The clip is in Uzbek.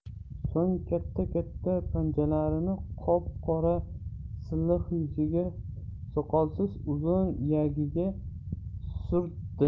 so'ng katta katta panjalarini qop qora silliq yuziga soqolsiz uzun iyagiga surtdi